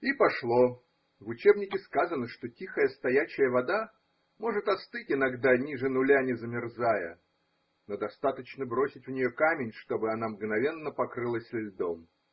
И пошло! В учебнике сказано, что тихая стоячая вода может остыть иногда ниже нуля не замерзая, но достаточно бросить в нее камень, чтобы она мгновенно покрылась льдом.